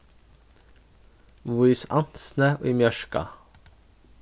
vís ansni í mjørka